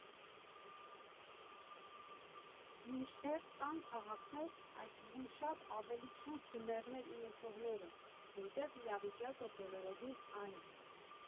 Մինչդեռ կան քաղաքներ, այդ թվում շատ ավելի ցուրտ ձմեռներ ունեցողները, որտեղ իրավիճակը բոլորովին այլ է։